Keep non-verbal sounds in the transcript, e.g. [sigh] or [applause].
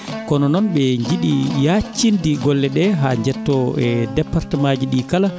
[music] kono noon ɓe njiɗi yaaccinde golle ɗee haa njettoo e département ji ɗii kala